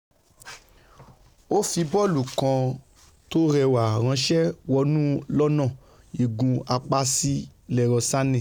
Ó fi bọ́ọ̀lù kan tó rẹwà ránṣ̵ẹ́ wọnú lọ́na igun apá sí Leroy Sane.